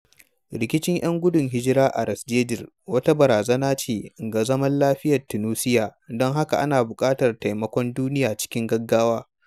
rikicin 'yan gudun hijira a ras jdir wata barazana ce ga zaman lafiyar Tunusia, don haka ana buƙatar taimakon duniya cikin gaggawa.